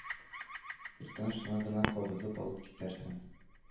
Иртән шуннан гына кабызып алып китәрсең